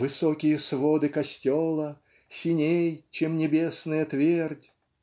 Высокие своды костела Синей, чем небесная твердь.